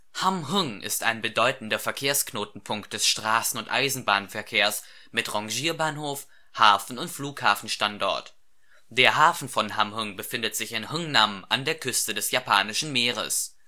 Hamhŭng ist ein bedeutender Verkehrsknotenpunkt des Straßen - und Eisenbahnverkehrs mit Rangierbahnhof, Hafen - und Flughafenstandort. Der Hafen von Hamhŭng befindet sich in Hŭngnam an der Küste des Japanischen Meeres